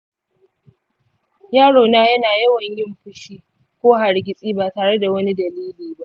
yarona yana yawan yin fushi ko hargitsi ba tare da wani dalili ba.